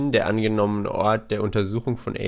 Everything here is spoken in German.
der angenommene Ort der Untersuchung von